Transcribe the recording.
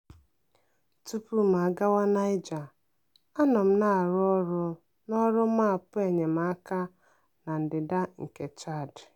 Tupu m agawa na Niger, anọ m na-arụ ọrụ n'ọrụ maapụ enyemaka na Ndịda nke Chad.